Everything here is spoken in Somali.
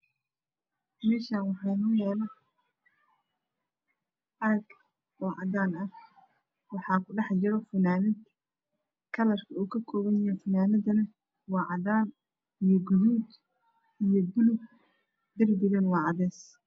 Meeshan waxaa noo yaalo caag oo cadaan ah waxaa ku dhex jiro funaanad kalarka uu kakoobanyahay funaanadana waa cadaan iyo guuduud iyo bulug darbigana waa cadees